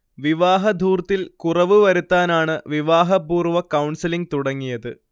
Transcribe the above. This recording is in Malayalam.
വിവാഹധൂർത്തിൽ കുറവ് വരുത്താനാണ് വിവാഹപൂർവ്വ കൗൺസിലിങ് തുടങ്ങിയത്